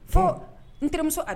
Foo n terimuso